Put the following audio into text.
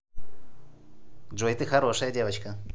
джой ты хорошая девочка